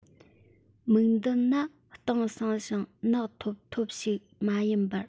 མིག མདུན ནི སྟོང སངས ཤིང ནག འཐོམ འཐོམ ཞིག མ ཡིན པར